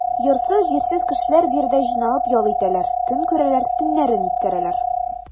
Йортсыз-җирсез кешеләр биредә җыйналып ял итәләр, көн күрәләр, төннәрен үткәрәләр.